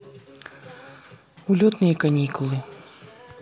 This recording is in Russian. улетные каникулы